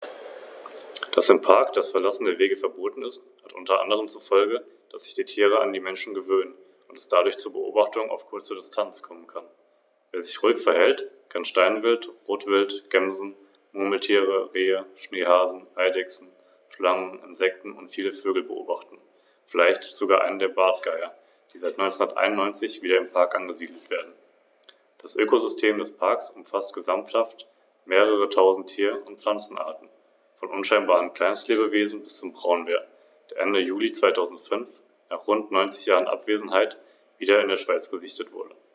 Auf Grund der unterschiedlichen Färbung war bis ca. 1900 auch die Bezeichnung Goldadler für ausgewachsene Steinadler gebräuchlich.